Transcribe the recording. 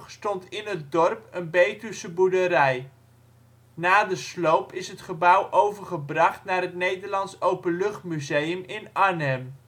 stond in het dorp een Betuwse boerderij. Na de sloop is het gebouw overgebracht naar het Nederlands Openluchtmuseum in Arnhem